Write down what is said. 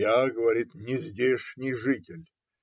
- Я, - говорит, - не здешний житель